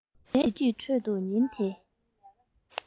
རྗེས དྲན གྱི ཁྲོད དུ ཉིན དེ